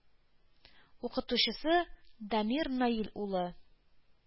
Укытучысы дамир наил улы